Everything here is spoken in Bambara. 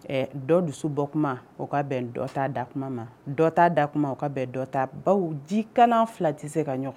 Ɛ dɔ dusu bɔ kuma o ka bɛn dɔ t ta da kuma ma dɔ t ta da kuma o ka bɛn dɔ ta baw ji kana fila tɛ se ka ɲɔgɔn